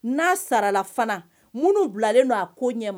N'a saralafana minnu bilalen n don a ko ɲɛma